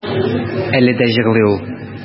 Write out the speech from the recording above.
Әле дә җырлый ул.